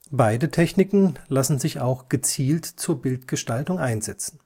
Beide Techniken lassen sich auch gezielt zur Bildgestaltung einsetzen